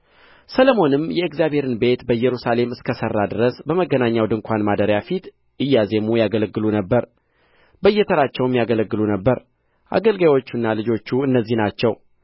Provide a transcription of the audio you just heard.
ሰሎሞንም የእግዚአብሔርን ቤት በኢየሩሳሌም እስኪሠራ ድረስ በመገናኛ ድንኳን ማደሪያ ፊት እያዜሙ ያገለግሉ ነበር በየተራቸውም ያገለግሉ ነበር አገልጋዮቹና ልጆቹ እነዚህ ናቸው